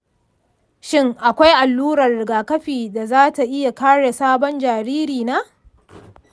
shin akwai allurar rigakafi da za ta iya kare sabon jaririna?